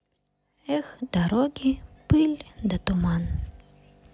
эх дороги пыль да туман